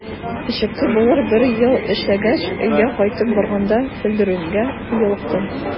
Пешекче булып бер ел эшләгәч, өйгә кайтып барганда белдерүгә юлыктым.